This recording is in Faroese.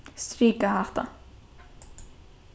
strika hatta